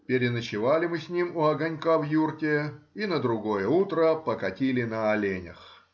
Переночевали мы с ним у огонька в юрте и на другое утро покатили на оленях.